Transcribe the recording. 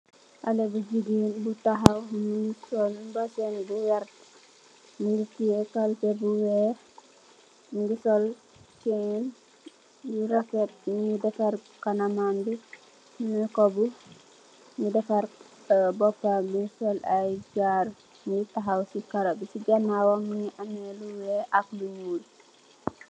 Xaleh bu gigeen bu takhaw mungi sol mbesengbu wertt mungi tiyeh kalpeh bu wekh mungi sol Chen bu rafett mu defarr kanamam bii makeupbu, mungi defarr bopambi sol ayy jaru. Mungi takhaw si karobi. Si ganawam mungi ameh lu wekh ak lu nyul.